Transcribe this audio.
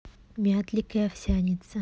мятлик и овсянница